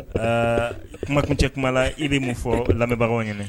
Aa kumakun cɛ kuma la i bɛ mun fɔ lamɛnbagaw ɲɛna